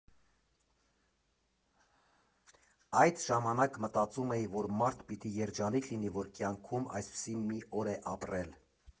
Այդ ժամանակ մտածում էի, որ մարդ պիտի երջանիկ լինի, որ կյանքում այսպիսի մի օր է ապրել։